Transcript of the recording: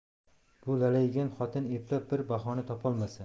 bu lalaygan xotin eplab bir bahona topolmasa